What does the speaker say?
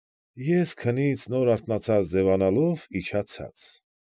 Ես քնից նոր արթնացած ձևանալով իջա ցած։